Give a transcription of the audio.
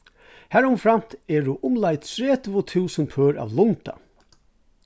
harumframt eru umleið tretivu túsund pør av lunda